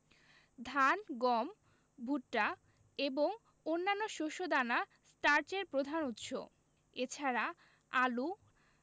ধান গম ভুট্টা এবং অন্যান্য শস্য দানা স্টার্চের প্রধান উৎস এছাড়া আলু রাঙা